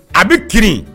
A bɛ ki